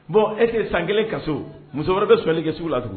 Bon e san kelen ka so muso wɛrɛ bɛ soli kɛ sugu la tugun